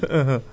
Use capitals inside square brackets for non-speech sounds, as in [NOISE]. [HESITATION] [HESITATION]